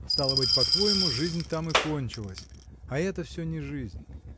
— Стало быть, по-твоему, жизнь там и кончилась, а это всё не жизнь?